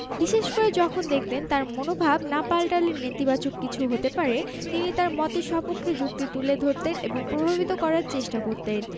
বিশেষ করে যখন দেখতেন তাঁর মনোভাব না পাল্টালে নেতিবাচক কিছু হতে পারে তিনি তাঁর মতের সপক্ষে যুক্তি তুলে ধরতেন এবং প্রভাবিত করার চেষ্টা করতেন